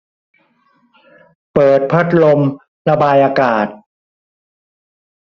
เปิดพัดลมระบายอากาศ